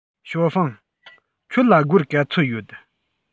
ཞའོ ཧྥང ཁྱོད ལ སྒོར ག ཚོད ཡོད